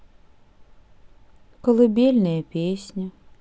колыбельная песня